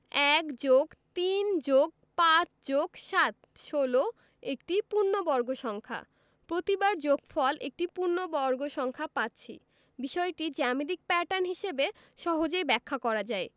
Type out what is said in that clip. ১+৩+৫+৭ ১৬ একটি পূর্ণবর্গ সংখ্যা প্রতিবার যোগফল একটি পূর্ণবর্গ সংখ্যা পাচ্ছি বিষয়টি জ্যামিতিক প্যাটার্ন হিসেবে সহজেই ব্যাখ্যা করা যায়